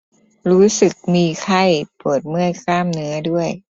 รู้สึกมีไข้ปวดเมื่อยกล้ามเนื้อด้วย